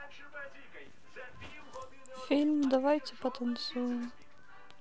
фильм давайте потанцуем